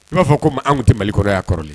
I b'a fɔ ko mara tun tɛ Mali kɔnɔ yan kɔrɔlen